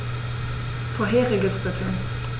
Vorheriges bitte.